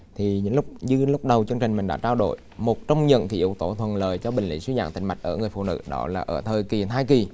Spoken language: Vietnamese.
thì những lúc như lúc đầu chương trình mình đã trao đổi một trong những cái yếu tố thuận lợi cho bệnh lý suy giãn tĩnh mạch ở người phụ nữ đó là ở thời kỳ thai kỳ